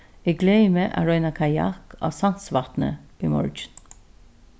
eg gleði meg at royna kajakk á sandsvatni í morgin